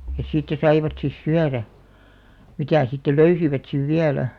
ja siitä saivat sitten syödä mitä sitten löysivät sitten vielä